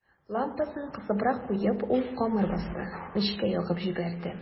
Лампасын кысыбрак куеп, ул камыр басты, мичкә ягып җибәрде.